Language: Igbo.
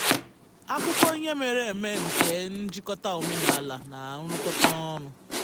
Akụkọ ihe mere eme nke ebe njikọta omenaala na nrụkọta ọnụ